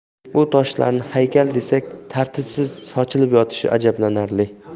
bu toshlarni haykal desak tartibsiz sochilib yotishi ajablanarli